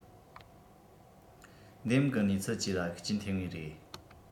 འདེམས གི གནས ཚུལ བཅས ལ ཤུགས རྐྱེན ཐེབས ངེས རེད